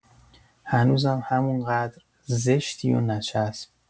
هنوزم همون قدر زشتی و نچسب.